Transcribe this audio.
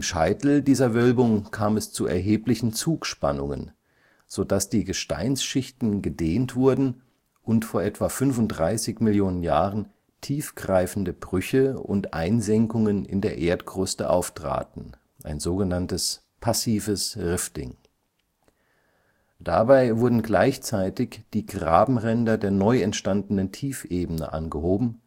Scheitel dieser Wölbung kam es zu erheblichen Zugspannungen, so dass die Gesteinsschichten gedehnt wurden und vor etwa 35 Millionen Jahren tiefgreifende Brüche und Einsenkungen in der Erdkruste auftraten (passives Rifting). Dabei wurden gleichzeitig die Grabenränder der neu entstandenen Tiefebene angehoben,